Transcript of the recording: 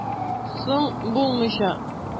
Соң, булмыйча!